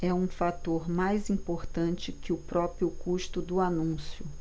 é um fator mais importante que o próprio custo do anúncio